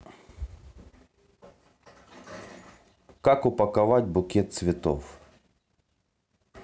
как упаковать букет цветов